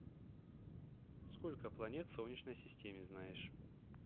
сколько планет в солнечной системе знаешь